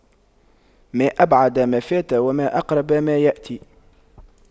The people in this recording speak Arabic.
ما أبعد ما فات وما أقرب ما يأتي